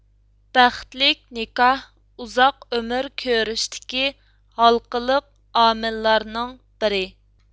بەختلىك نىكاھ ئۇزاق ئۆمۈر كۆرۈشتىكى ھالقىلىق ئامىللارنىڭ بىرى